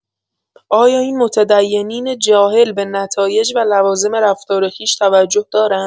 آیا این متدینین جاهل به نتایج و لوازم رفتار خویش توجه دارند؟